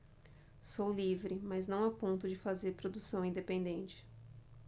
sou livre mas não a ponto de fazer produção independente